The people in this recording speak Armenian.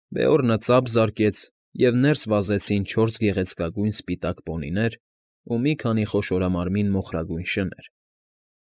Բեորնը ծափ զարկեց, և ներս վազեցին չորս գեղեցկագույն սպիտակ պոնիներ, ու մի քանի խոշորամարմին մոխրագույն շներ։